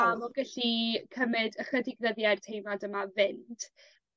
A m'o gyllu cymyd ychydig ddyddie i'r teimlad yma fynt.